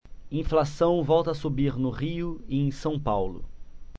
inflação volta a subir no rio e em são paulo